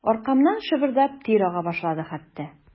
Аркамнан шабырдап тир ага башлады хәтта.